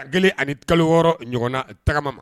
Gɛlɛn ani kalo wɔɔrɔ ɲɔgɔnna tagama ma